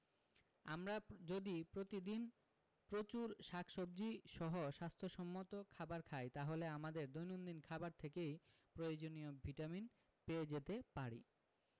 আমরা যদি প্রতিদিন প্রচুর শাকসবজী সহ স্বাস্থ্য সম্মত খাবার খাই তাহলে আমাদের দৈনন্দিন খাবার থেকেই প্রয়োজনীয় ভিটামিন পেয়ে যেতে পারি